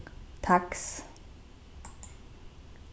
taks